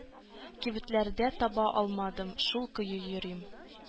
Кибетләрдә таба алмадым, шул көе йөрим.